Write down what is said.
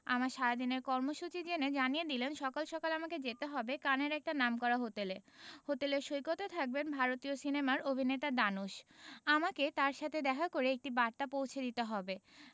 আমার সারাদিনের কর্মসূচি জেনে জানিয়ে দিলেন সকাল সকাল আমাকে যেতে হবে কানের একটা নামকরা হোটেলে হোটেলের সৈকতে থাকবেন ভারতীয় সিনেমার অভিনেতা ধানুশ আমাকে তার সাথে দেখা করে একটি বার্তা পৌঁছে দিতে হবে